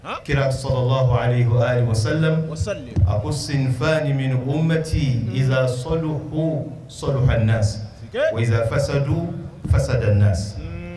Kira sɔrɔaa sala sa a ko senfa ni minɛ o bɛtizsa sɔdu h sɔlo hainasi ozsa fasadu fasadinasi